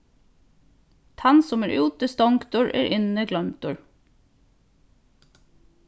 tann sum er úti stongdur er inni gloymdur